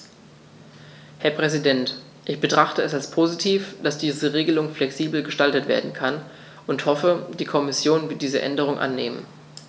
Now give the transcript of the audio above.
Herr Präsident, ich betrachte es als positiv, dass diese Regelung flexibel gestaltet werden kann und hoffe, die Kommission wird diese Änderung annehmen.